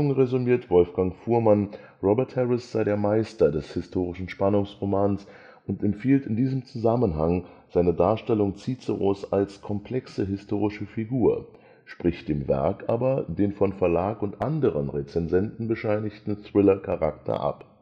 resümiert Wolfgang Fuhrmann, Robert Harris sei der „ Meister des historischen Spannungsromans “und empfiehlt in diesem Zusammenhang seine Darstellung Ciceros als „ komplexe historische Figur “, spricht dem Werk aber den von Verlag und anderen Rezensenten bescheinigten „ Thriller-Charakter